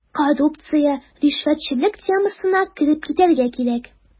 Коррупция, ришвәтчелек темасына кереп китәргә кирәк.